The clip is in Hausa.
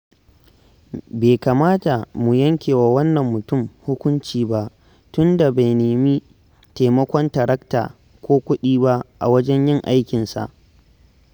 Bai kamata mu yanke wa wannan mutumin hukunci ba, tun da bai nemi taimakon tarakta ko kuɗi ba a wajen yi aikinsa.